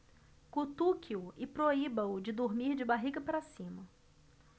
cutuque-o e proíba-o de dormir de barriga para cima